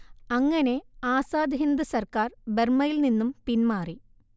അങ്ങനെ ആസാദ് ഹിന്ദ് സർക്കാർ ബർമ്മയിൽ നിന്നും പിന്മാറി